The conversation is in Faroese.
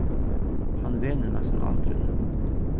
hann venur næstan aldrin